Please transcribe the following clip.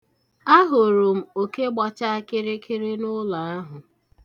Ahụrụ m oke gbacha kịrịkịrị n'ụlọ ahụ.